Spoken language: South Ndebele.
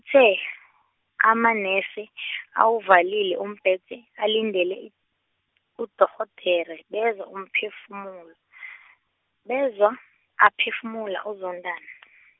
-the amanesi , awuvalile umbhede alindele i-, udorhodere bezwa umphefumulo , bezwa, aphefumula uZondani.